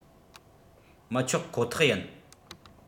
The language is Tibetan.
མི ཆོག ཁོ ཐག ཡིན